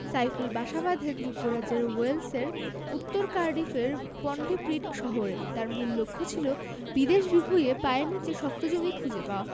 সাইফুল বাসা বাঁধেন যুক্তরাজ্যের ওয়েলসের উত্তর কার্ডিফের পন্টিপ্রিড শহরে তাঁর মূল লক্ষ্য ছিল বিদেশ বিভুঁইয়ে পায়ের নিচে শক্ত জমি খুঁজে পাওয়া